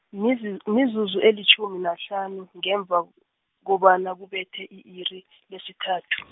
mizu- , mizuzu elitjhumi nahlanu, ngemva kobana kubethe, i-iri, lesithathu.